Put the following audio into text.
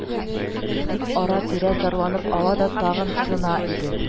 – дип, ара-тирә зарланып ала да тагы тына иде